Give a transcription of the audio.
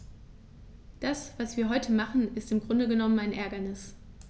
Das, was wir heute machen, ist im Grunde genommen ein Ärgernis.